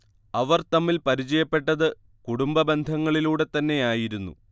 അവർ തമ്മിൽ പരിചയപ്പെട്ടത് കുടുംബ ബന്ധങ്ങളിലൂടെതന്നെയായിരുന്നു